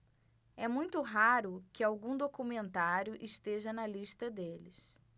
é muito raro que algum documentário esteja na lista deles